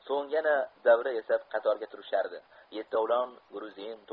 so'ng yana davra yasab qatorga turishardi yetovlon gmzin